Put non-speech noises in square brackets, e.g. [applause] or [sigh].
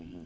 [hesitation] [hesitation]